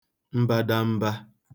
mbadamba